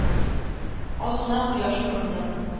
Аз гына кояш нурын да